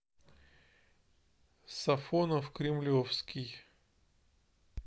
сафонов кремлевский